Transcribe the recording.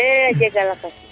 e a jega lakas